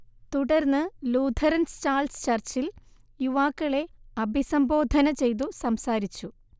തുടർന്ന് Lutheran Charles ചർച്ചിൽ യുവാക്കളെ അഭിസംബോധന ചെയ്തു സംസാരിച്ചു